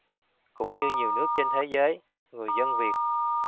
cũng như nhiều nước trên thế giới người dân việt